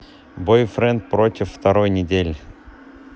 бойфренд против второй недели